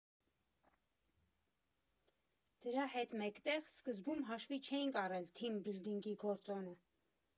Դրա հետ մեկտեղ սկզբում հաշվի չէինք առել թիմ բիլդինգի գործոնը.